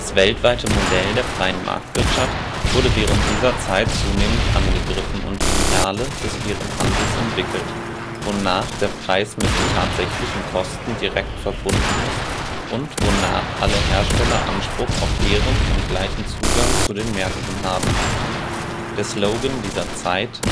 weltweite Modell der freien Marktwirtschaft wurde während dieser Zeit zunehmend angegriffen und Ideale des fairen Handels entwickelt, wonach der Preis mit den tatsächlichen Kosten direkt verbunden ist und wonach alle Hersteller Anspruch auf fairen und gleichen Zugang zu den Märkten haben. Der Slogan dieser Zeit